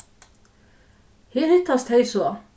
her hittast tey so